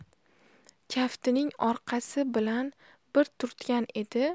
kaftining orqasi bilan bir turtgan edi